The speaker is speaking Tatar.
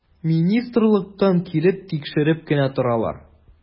Министрлыктан килеп тикшереп кенә торалар.